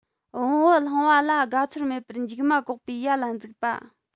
བོང བུ བསླངས པ ལ དགའ ཚོར མེད པར མཇུག མ བཀོག པའི ཡ ལ འཛུགས པ